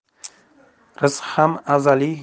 rizq ham azaliy